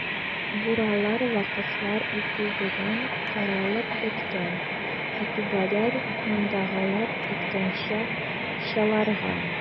Буралар вакытлар үтү белән каралып беткән, ә түбәләр, мондагылар әйткәнчә, "чаларган".